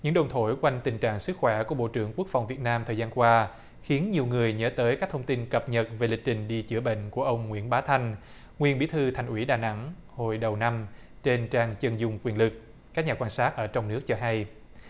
những đồn thổi quanh tình trạng sức khỏe của bộ trưởng quốc phòng việt nam thời gian qua khiến nhiều người nhớ tới các thông tin cập nhật về lịch trình đi chữa bệnh của ông nguyễn bá thanh nguyên bí thư thành ủy đà nẵng hồi đầu năm trên trang chân dung quyền lực các nhà quan sát ở trong nước cho hay